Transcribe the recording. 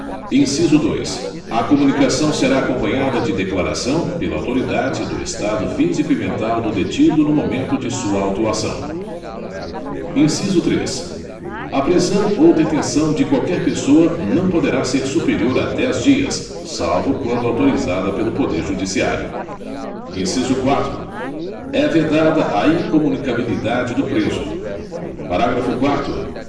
inciso dois a comunicação será acompanhada de declaração pela autoridade do estado físico e mental do detido no momento de sua autuação inciso três a prisão ou detenção de qualquer pessoa não poderá ser superior a dez dias salvo quando autorizada pelo poder judiciário inciso quatro é vedada a incomunicabilidade do preso parágrafo quarto